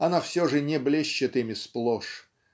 она все же не блещет ими сплошь